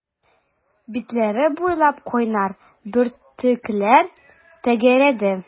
Битләре буйлап кайнар бөртекләр тәгәрәде.